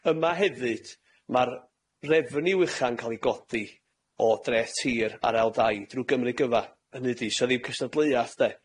Yma hefyd ma'r refeniw ucha'n ca'l ei godi o dreth tir ar ail dai drw Gymru gyfa. Hynny ydi do's 'a ddim cystadleuaeth 'de.